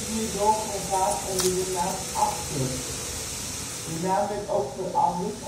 niet door kon gaan onder de naam Achter. De naam werd ook veranderd